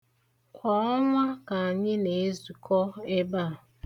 Kwa ọnwa ka anyị na-ezukọ ebe a.